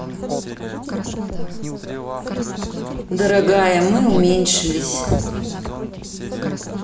дорогая мы уменьшились